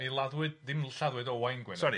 Mi laddwyd, ddim lladdwyd Owain Gwynedd.